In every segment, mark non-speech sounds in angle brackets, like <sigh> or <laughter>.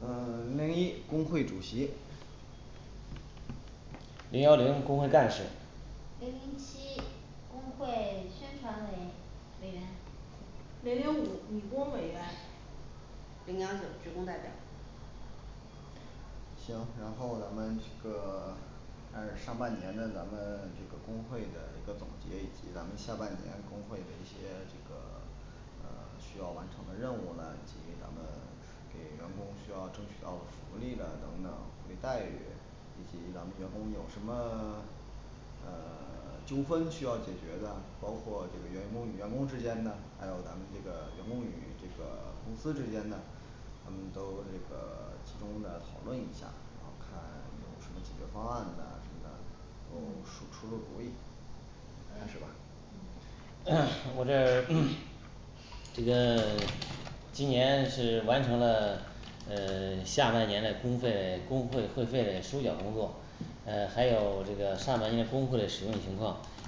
呃零零一工会主席零幺零工会干事零零七工会宣传委委员零零五女工委员零幺九职工代表行，然后咱们这个 <silence> 在上半年呢咱们这个工会的一个总结，以及咱们下半年工会的一些这个 <silence> 呃需要完成的任务呢，其实咱们给员工需要争取到福利的等等这待遇，这些咱们员工有什么 <silence> 呃 <silence> 纠纷需要解决的，包括这个员工与员工之间的，还有咱们这个员工与这个公司之间的咱们都这个 <silence> 集中的讨论一下儿，然后看有什么解决方案的，这个都嗯出出主意。好嘞是吧，<noise> 嗯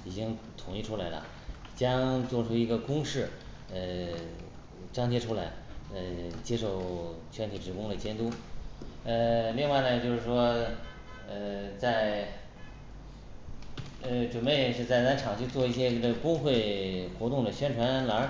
已经统计出来了，将作出一个公示，呃 <silence> 张贴出来，呃，接受全体职工嘞监督呃 <silence> 另外嘞就是说呃 <silence> 在呃，准备是在咱厂区做一些这类工会活动嘞宣传栏儿，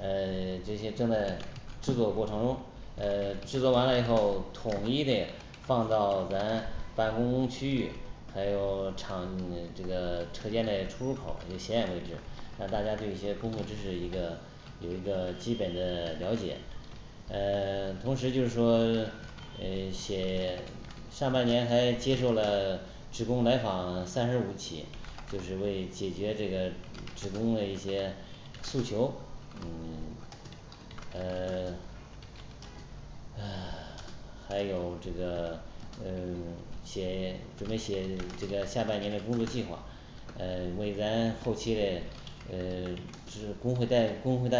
呃 <silence> 这些正在制作过程中。呃。制作完了以后，统一的放到咱办公区域，还有厂这个车间嘞出入口儿这显眼位置，让大家对一些工会知识一个有一个基本的了解。呃 <silence> 同时就是说呃写上半年还接受了职工来访三十五起，就是为解决这个职工嘞一些诉求，嗯 <silence> 呃 <silence> <crosstalk> 还有这个呃 <silence> 写准备写这个下半年的工作计划呃为咱后期嘞呃 <silence> 知工会大工会大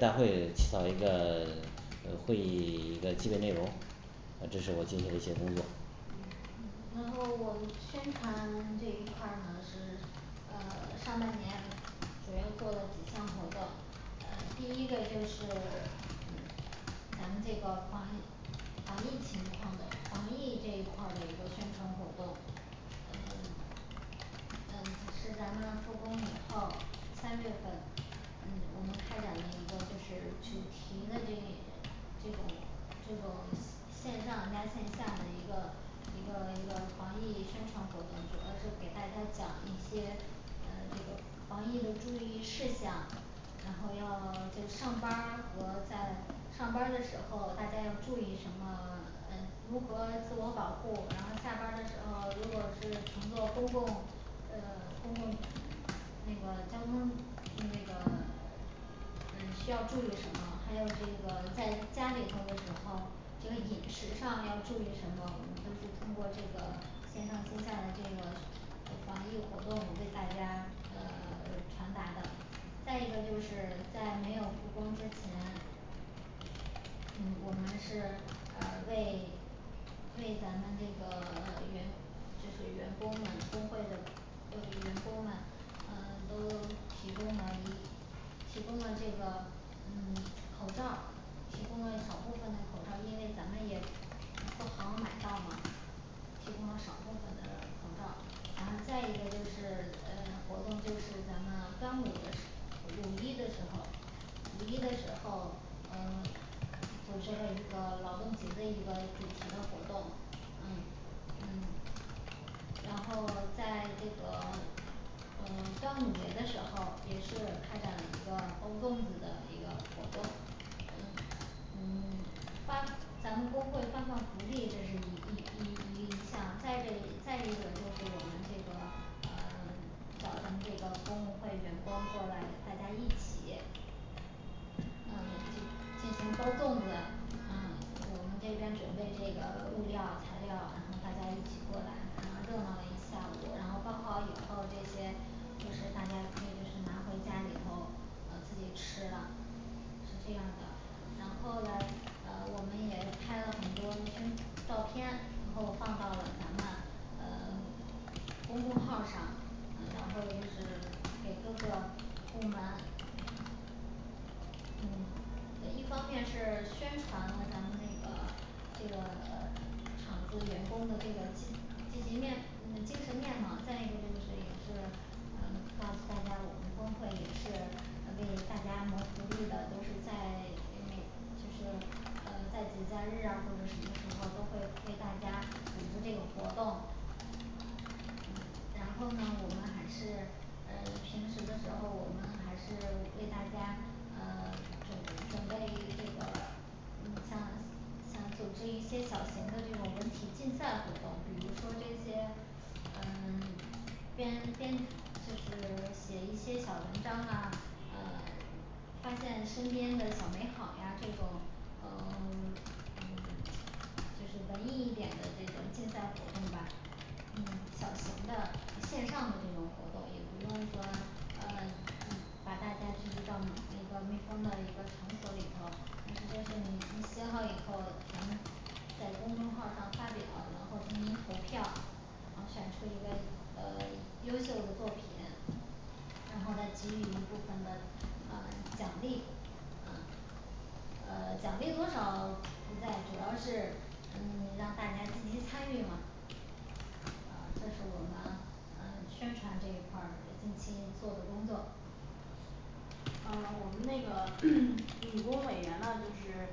大会起草一个 <silence> 会议 <silence> 一个 <silence> 基本内容这是我近期嘞一些工作。嗯嗯嗯，然后我们宣传这一块儿呢，是呃上半年主要做了几项活动，呃第一个就是 <silence> 咱们这个防防疫情况的防疫这一块儿的一个宣传活动呃，呃，这是咱们复工以后三月份嗯，嗯我们开展了一个就是主题的这一点这种这种线上加线下的一个一个一个防疫宣传活动，主要是给大家讲一些呃这个防疫的注意事项然后要就上班儿和在上班儿的时候大家要注意什么？ 呃如何自我保护，然后下班儿的时候如果是乘坐公共呃 <silence> 公共那个交通那个 <silence> 呃需要注意什么？还有这个在家里头的时候这个饮食上要注意什么？我们都是通过这个线上线下的这个呃防疫活动我为大家呃 <silence> 传达的。再一个就是在没有复工之前，嗯，我们是呃为为咱们那个 <silence> 员就是员工们工会的呃员工们呃都提供了一提供了这个嗯 <silence> 口罩儿，提供了小部分的口罩儿，因为咱们也不好买到嘛提供了少部分的口罩儿。然后再一个就是呃活动就是咱们端午的时，五一的时候儿五一的时候儿，嗯，组织了一个劳动节的一个主题的活动，嗯嗯 <silence> 然后在这个，呃，端午节的时候儿也是开展了一个包粽子的一个活动嗯，嗯 <silence> 发咱们工会发放福利这是一一一一一项。 再者再一个就是我们这个呃 <silence> 找咱们这个工会员工过来，大家一起嗯，进进行包粽子，嗯。我们这边准备这个物料啊材料啊，然后大家一起过来，然后热闹了一下午，然后包好以后这些就是大家可以就是拿回家里头嗯自己吃了。是这样的。然后嘞呃我们也拍了很多宣照片，然后放到了咱们呃 <silence> 公众号儿上，呃然后就是给各个部门嗯，呃一方面是宣传了咱们那个这个 <silence> 呃厂子员工的这个积积极面嗯精神面貌，再一个就是也是呃告诉大家，我们工会也是呃为大家谋福利的，都是在那就是呃在节假日啊或者什么时候儿都会为大家组织这个活动嗯。然后呢我们还是呃。平时的时候儿，我们还是为大家呃准准备这个 <silence> 嗯，像像组织一些小型的这种文体竞赛活动，比如说这些呃 <silence> 编编就是写一些小文章啊，呃发现身边的小美好呀这种啊 <silence> 嗯 <silence> 就是文艺一点的这种竞赛活动吧嗯，小型的线上的这种活动，也不用说呃 <silence> 嗯把大家聚集到一个密封的一个场所里头，这就是你你写好以后，咱们在公众号儿上发表，然后进行投票然后选出一个呃 <silence> 优秀的作品，然后再给予一部分的呃奖励。 嗯呃奖励多少不在，主要是嗯让大家积极参与嘛 <noise> 呃这是我们嗯宣传这一块儿近期做的工作。呃我们那个 <crosstalk> 女工委员呢就是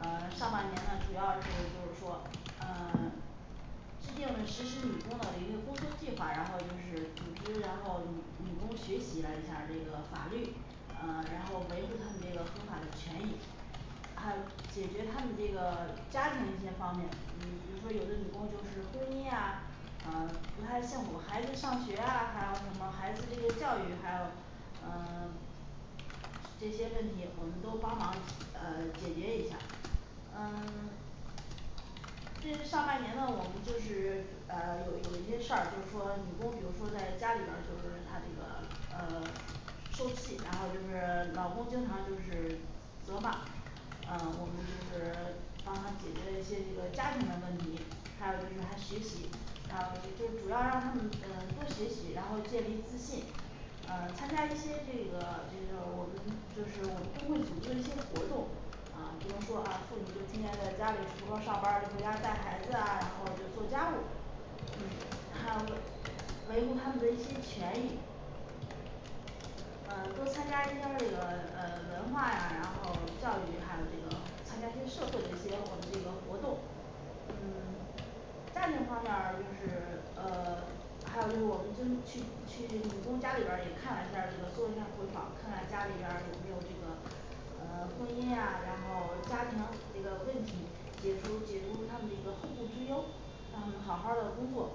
呃上半年呢主要是就是说呃制定了实施女工的一个工作计划，然后就是组织然后女女工学习了一下儿这个法律呃，然后维护他们这个合法的权益还有解决她们这个家庭一些方面，嗯比如说有的女工就是婚姻呀呃不太幸福，孩子上学啊还有什么孩子这个教育，还有呃 <silence> 这些问题我们都帮忙呃解决一下儿嗯 <silence> 这上半年呢我们就是呃有有一些事儿，就是说女工比如说在家里边儿就是她这个呃受气，然后就是 <silence> 老公经常就是责骂嗯我们就是帮她解决了一些这个家庭的问题，还有就是她学习呃就就主要让她们呃多学习，然后建立自信呃参加一些这个就是我们就是我们工会组织的一些活动啊，不能说啊妇女就天天在家里除了上班儿就回家带孩子啊，然后就做家务嗯， <noise> 维维护她们的一些权益嗯，多参加一下儿这个呃文化呀，然后教育，还有这个参加一些社会的一些我们这个活动，嗯 <silence> 家庭方面儿就是呃 <silence> 还有就是我们就是去去女工家里边儿也看了一下儿这个，做一下儿回访，看看家里边儿有没有这个嗯，婚姻啊，然后家庭这个问题，解除解除她们这个后顾之忧，让她们好好儿的工作。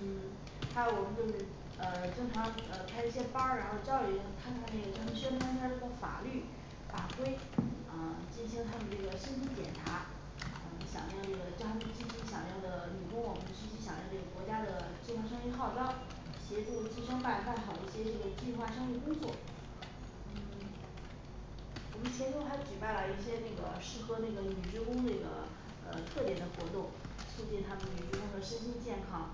嗯 <silence> 还有我们就是呃经常呃开一些班儿，然后教育看看那个她们宣传片儿一些法律法规，嗯进行她们这个身心检查，嗯响应这个，叫她们积极响应这个女工，我们积极响应这个国家的计划生育号召协助计生办办好一些这个计划生育工作。嗯 <silence> 我们前头还举办了一些那个适合那个女职工这个 <silence> 呃特点的活动，促进她们女职工的身心健康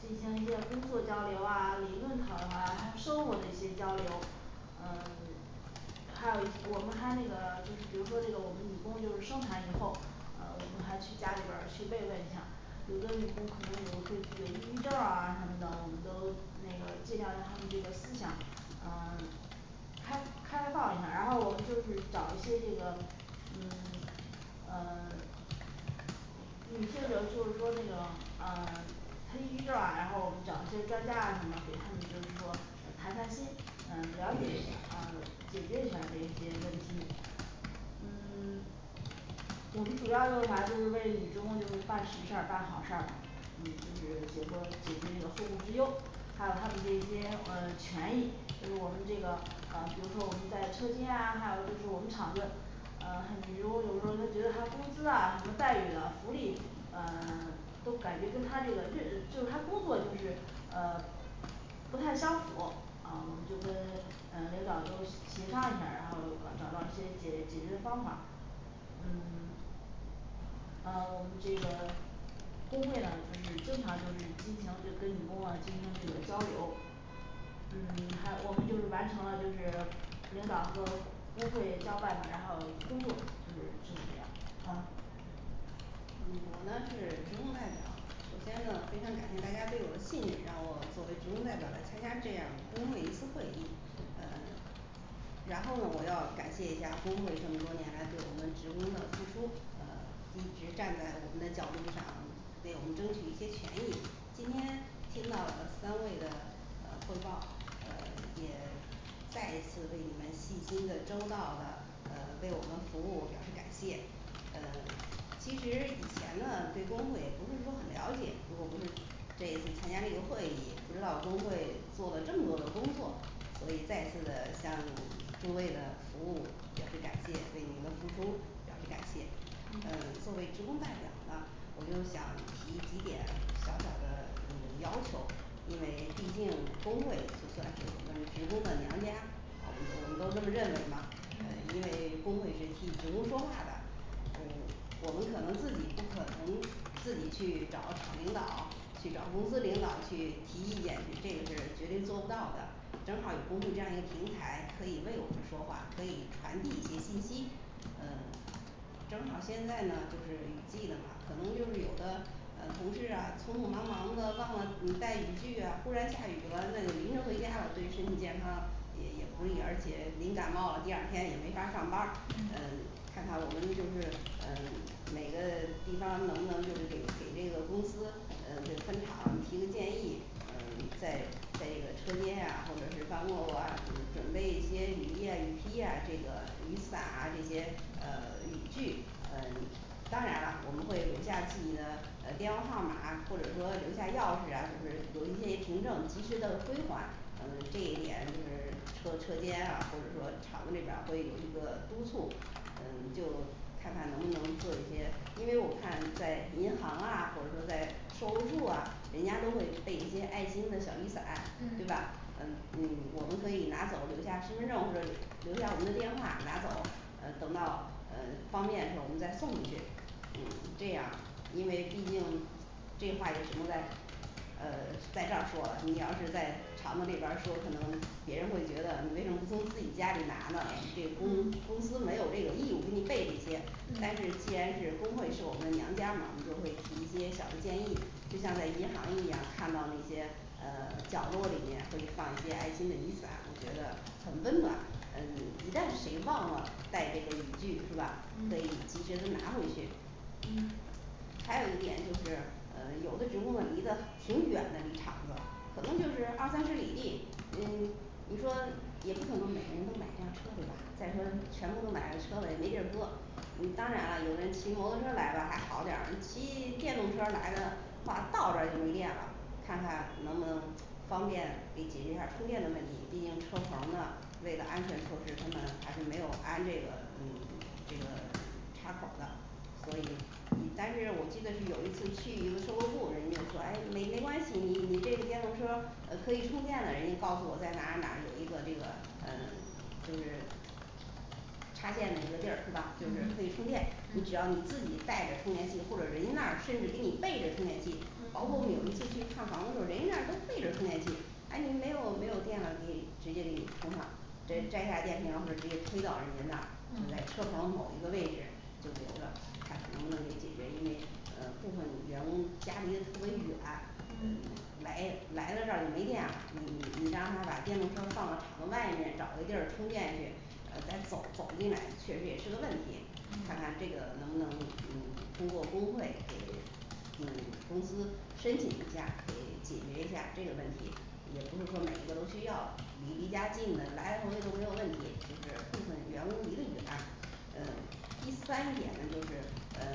进行一些工作交流啊，理论层啊还有生活的一些交流。 嗯 <silence> 还有一我们还有那个就是比如这个说我们女工就是生产以后，呃我们还去家里边儿去慰问一下儿有的女工可能有会有抑郁症儿啊什么的，我们都那个尽量让她们这个思想，嗯 <silence> 开开放一下儿，然后我们就是找一些这个，嗯 <silence> 呃 <silence> 女性的就是说那个呃抑郁症儿啊，然后我们找一些专家啊什么给她们就是说谈谈心呃了解一下儿啊，解决一下儿这一些问题。嗯 <silence> 我们主要就是啥？就是为女职工就是办实事儿，办好事儿，嗯就是解决解决这个后顾之忧，还有她们这些嗯权益，就是我们这个呃比如说我们在车间啊，还有就是我们厂子，呃很比如有的时候儿她觉得她工资啊什么待遇啦福利呃 <silence> 都感觉跟她这个认就她工作就是呃不太相符啊，我们就跟嗯领导都协商一下儿，然后找到一些解解决的方法儿，嗯 <silence> 呃 <silence> 我们这个工会呢就是经常就是进行就跟女工啊进行这个交流嗯 <silence> 还有我们就是完成了就是领导和工会交办的，然后工作就是就是这样啊。嗯，我呢是职工代表，首先呢非常感谢大家对我的信任，让我作为职工代表来参加这样的工会一次会议呃然后呢我要感谢一下工会这么多年来对我们职工的付出，呃 <silence> 一直站在我们的角度上为我们争取一些权益。今天听到了三位的呃汇报，呃也再一次为你们细心的周到的呃为我们服务表示感谢。 呃其实以前呢对工会也不是说很了解，如果不是这一次参加这个会议，不知道工会做了这么多的工作所以再次的向诸位的服务表示感谢，为你们的付出表示感谢。呃嗯作为职工代表呢我就想提几点儿小小的 <silence> 呃要求，因为毕竟工会就算是我们职工的娘家我们我们都都认为嘛，呃嗯因为工会是替职工说话的呃我们可能自己不可能自己去找厂领导，去找公司领导去提意见，这个是绝对做不到的正好儿有工会这样一个平台可以为我们说话，可以传递一些信息。 呃 <silence> 也也不利，而且淋感冒了第二天也没法儿上班儿，嗯呃看看我们就是呃每个地方儿能不能就是给给这个公司呃这分厂给提个建议呃在在一个车间呀或者是办公楼啊就是准备一些雨衣呀、雨披呀、这个雨伞啊这些呃雨具呃 <silence> 当然啦我们会留下自己的呃电话号码儿，或者说留下钥匙啊，是不是，有一些凭证及时的归还嗯，这一点就是车车间啊或者说厂子里边儿会有一个督促，呃就看看能不能做一些，因为我看在银行啊或者说在售楼处啊，人家都会备一些爱心的小雨伞，对嗯吧？呃，嗯，我们可以拿走留下身份证或者留下我们的电话拿走，呃等到呃方便时候儿我们再送回去嗯，这样因为毕竟这话也只能在呃在这儿说了，你要是在厂子里边儿说，可能别人会觉得你为什么不从自己家里拿呢，这公嗯公司没有这个义务给你备这些，但嗯是既然是工会是我们娘家嘛，我们就会提一些小的建议，就像在银行一样，看到那些呃，角落里面会放一些爱心的雨伞，我觉得很温暖，嗯，一旦谁忘了带这个雨具是吧？可以嗯及时的拿回去。嗯还有一点，就是呃有的职工呢离的挺远的，离厂子可能就是二三十里地，嗯 <silence> 你说也不可能每个人都买一辆车对吧？再说全部都买了车了，也没地儿搁嗯当然了有的人骑摩托车来的还好点儿，你骑电动车儿来的，是吧，到这儿就没电了看看能不能方便给解决一下儿充电的问题，毕竟车棚儿呢为了安全措施，他们还是没有安这个嗯这个 <silence> 插头儿的。所以，但是我记得是有一次去一个售楼部，人家就说，哎，没没关系，你你这电动车呃可以充电的，人就告诉我在哪哪哪有一个这个呃就是嗯，嗯嗯直接摘下电瓶啊，或者直接推到人家那儿，就在嗯车棚某一个位置就留着，看能不能给解决，因为呃部分员工家离的特别远嗯来来到这儿就没电了，你你你让他把电动车放到厂子外面，找个地儿充电去，呃再走走进来确实也是个问题，看看嗯这个能不能呃通过工会给给公司申请一下，给解决一下这个问题，也不是说每个都需要离离家近的来回都没有问题，就是部分员工离的远呃第三点呢就是，呃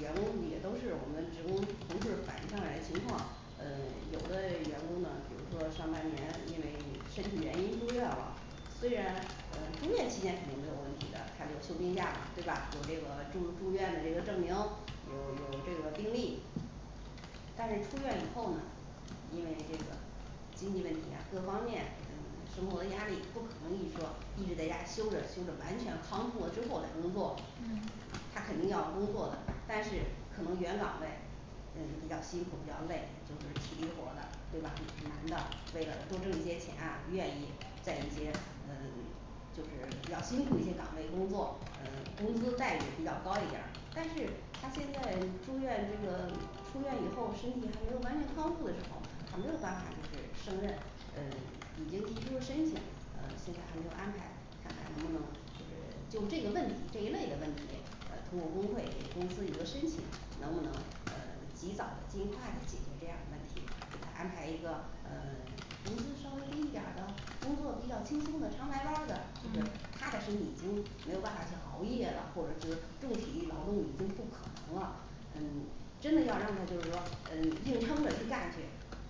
员工也都是我们职工同事反映上来的情况，呃有的员工呢比如说上半年因为身体原因住院了虽然呃住院期间肯定没有问题的，他就休病假对吧？有这个住住院的这个证明有有这个病例但是出院以后呢，因为这个经济问题呀各方面嗯生活的压力不可能一直说一直在家休着休着完全康复了之后再工作嗯，他肯定要工作的，但是可能原岗位嗯比较辛苦比较累，就是体力活儿的对吧？男的为了多挣一些钱啊，愿意在一些，呃 <silence> 就是比较辛苦一些岗位工作，呃工资待遇比较高一点儿，但是他现在住院这个出院以后身体还没有完全康复的时候儿他没有办法儿就是胜任呃，已经提出了申请，呃就是还没有安排，看看能不能就是就这个问题这一类的问题呃通过工会给公司一个申请，能不能呃及早的尽快的解决这样的问题，给他安排一个，呃 <silence> 工资稍微低一点儿的工作比较轻松的长白班儿的，就嗯是他的身体已经没有办法儿去熬夜了，或者就是重体力劳动已经不可能了嗯，真的要让他就是说呃硬撑着去干去，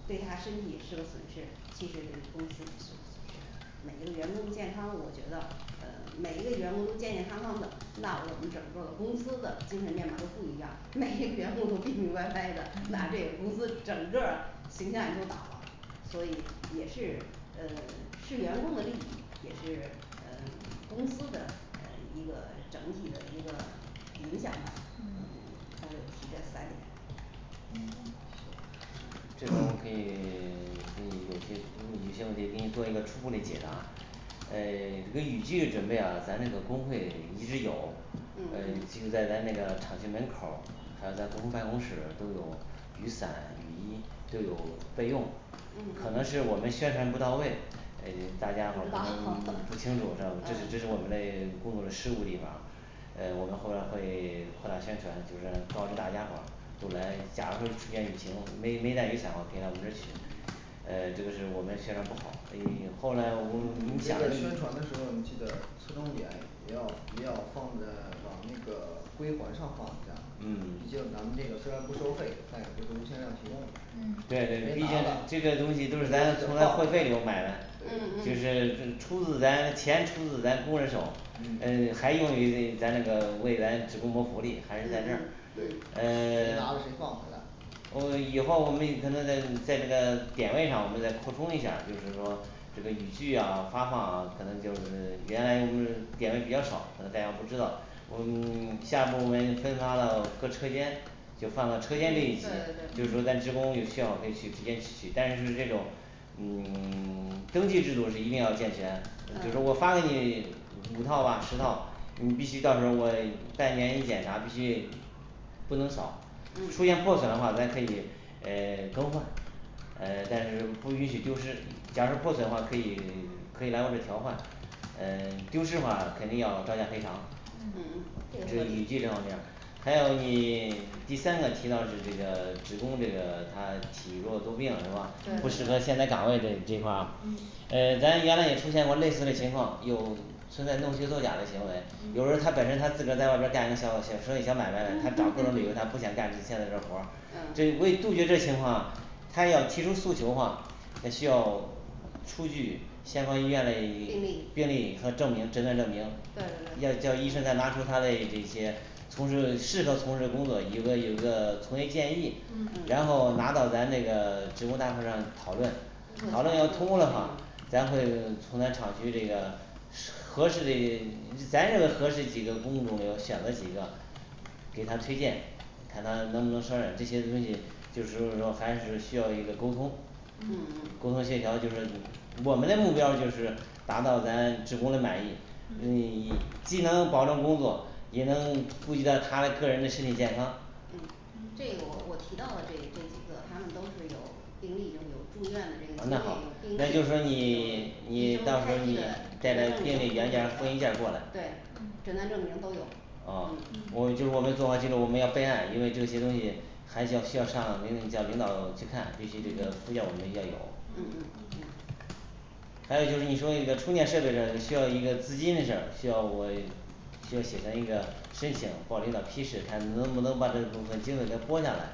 对他身体是个损失，其实对公司也是损失每一个员工的健康我觉得呃每一个员工都健健康康的，那我们整个儿的公司的精神面貌都不一样，每一个员工都病病歪歪的&嗯&，那这个公司整个儿形象也就倒了 <noise> 所以也是呃是员工的利益，也是呃 <silence> 公司的呃一个整体的一个形象吧，嗯嗯，我就提这三点。行行，这个这个我可以 <silence> 给你有些问题需要给你做一个初步嘞解答呃这个雨具准备了，咱这个工会一直有嗯呃嗯就是在咱那个厂区门口儿还有咱公办公室都有雨伞、雨衣都有备用嗯，可能嗯是我们宣传不到位，诶大不知道， <noise> 嗯家可能不清楚是吧？这是这是我们嘞工作嘞失误地方儿。呃我们后来会扩大宣传，就是告知大家伙儿都来假如说出现雨情没没带雨伞嘛，可以来我们这儿取，呃这个是我们宣传不好，因后来我们你那想个啊宣传的时候儿，你记的侧重点也要也要放在往那个归还上放一下儿嗯嗯嗯嗯就是出自咱钱出自咱工人手嗯呃还用于那咱那个未来职工谋福利，还是在这嗯儿嗯嗯，谁呃拿的谁放回来 <silence> 我们以后我们也可能在在这个点位上我们再扩充一下儿，就是说这个雨具呀发放啊可能就是原来我们点位比较少，可能大家不知道，我们 <silence> 下一步我们分成了各车间就放到车间这一级，对对对就是说咱嗯职工有需要可以去直接取，但是说这种嗯 <silence> 登记制度是一定要健全，就是我嗯发给你五套啊十套，你必须到时候儿我半年一检查必须不能少，嗯出现破损的话咱可以诶 <silence> 更换呃，但是不允许丢失，假如破损的话可以可以来我这调换，呃丢失话肯定要照价赔偿嗯嗯嗯，。这这个个合雨理具这方面儿还有你第三个提到是这个职工这个他体弱多病是吧对对对？不适合现在岗位这这块儿啊嗯，呃咱原来也出现过类似嘞情况，有存在弄虚作假嘞行为，嗯有时候儿他本身他自个儿在外边儿干个小小生意小买卖嘞，他嗯找各种理由 <noise> 他不想干现在这活儿。嗯这为杜绝这情况，他要提出诉求话，还需要出具相关医院嘞病例病历和证明诊断证明对对对，要叫医生再拿出他嘞这些从这适合从事工作有个有个从业建议嗯，然后拿到咱这个职工大会上讨论工作强度适，讨论要通过嘞话应，咱会从咱厂区这个适合适滴咱认为合适几个工种要选择几个给他推荐，看他能不能胜任，这些东西，就是这么说还是需要一个沟通嗯沟通协调。就是,我们嘞目标儿就是达到咱职工嘞满意，嗯你既能保证工作，也能顾及到他个人的身体健康嗯呃，嗯我们就是我们做好记录我们要备案，因为这些东西还是要需要上领领叫领导去看，必须这个附件儿我们要有。嗯嗯嗯嗯嗯还有就是你说那个充电设备这儿，需要一个资金的事儿，需要我需要写成一个申请报领导批示看能不能把这部分经费给它拨下来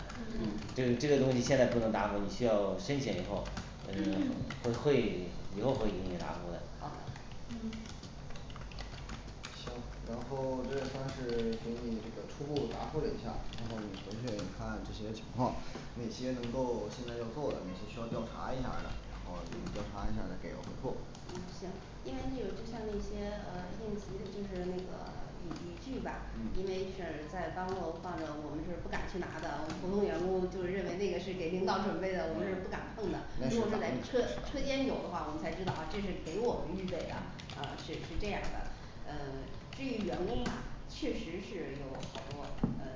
嗯嗯，这个这个东西现在不能答复你，需要申请以后呃会会以后会给你答复的。好的嗯嗯，行，因为那个就像那些呃就比如说那个雨雨具吧，因为是在办公楼放着，我们是不敢去拿的，我们普通员工就认为那个是给领导准备的，我们是不嗯敢碰的嗯，如果说在嗯车车间有的话，我们才知道啊这是给我们预备的，啊是是这样儿的呃至于员工嘛确实是有好多呃